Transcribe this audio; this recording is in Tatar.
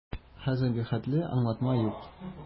Хәзергә хәтле аңлатма юк.